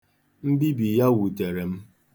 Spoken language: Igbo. Mbibi ya wutere m.